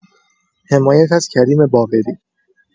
حمایت از کریم باقری